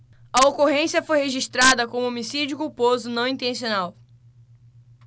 a ocorrência foi registrada como homicídio culposo não intencional